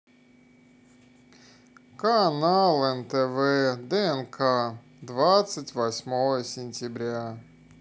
канал нтв днк двадцать восьмое сентября